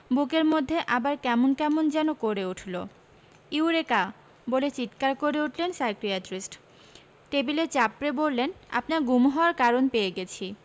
বুকের মধ্যে আবার কেমন কেমন যেন করে উঠল ইউরেকা বলে চিৎকার করে উঠলেন সাইকিয়াট্রিস্ট টেবিলে চাপড়ে বললেন আপনার গুম হওয়ার কারণ পেয়ে গেছি